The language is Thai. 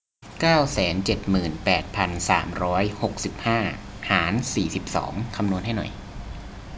เก้าแสนเจ็ดหมื่นแปดพันสามร้อยหกสิบห้าหารสี่สิบสองคำนวณให้หน่อย